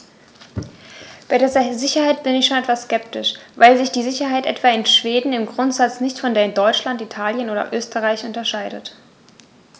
Bei der Sicherheit bin ich schon etwas skeptisch, weil sich die Sicherheit etwa in Schweden im Grundsatz nicht von der in Deutschland, Italien oder Österreich unterscheidet.